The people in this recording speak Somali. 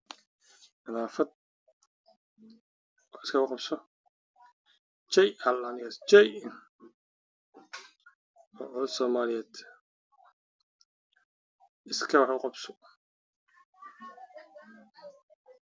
Waa dad aroorinayo qashin waxay qabaan qalabkii shaqada ama